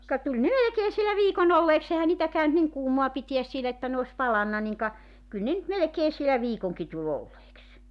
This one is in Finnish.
ka tuli ne melkein siellä viikon olleeksi eihän niitä käynyt niin kuumaa pitää siellä että ne olisi palanut niin ka kyllä ne nyt melkein siellä viikonkin tuli olleeksi